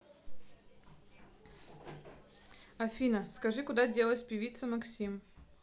афина скажи куда делась певица максим